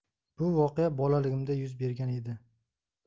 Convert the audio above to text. bu voqea bolaligimda yuz bergan edi